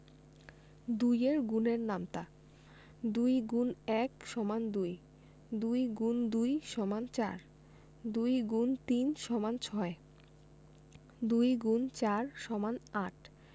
২ এর গুণের নামতা ২ X ১ = ২ ২ X ২ = ৪ ২ X ৩ = ৬ ২ X ৪ = ৮